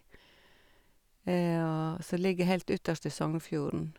Ja, som ligger heilt ytterst i Sognefjorden.